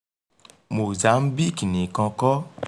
Mozambique nìkan kọ́.